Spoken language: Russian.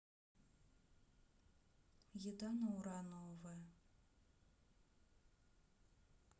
еда на ура новая